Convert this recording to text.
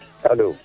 aloo